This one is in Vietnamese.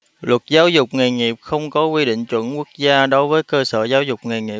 luật giáo dục nghề nghiệp không có quy định chuẩn quốc gia đối với cơ sở giáo dục nghề nghiệp